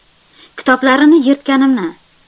kitoblarini yirtganimni